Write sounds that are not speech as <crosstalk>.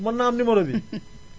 mën naa am numéro bi <laughs>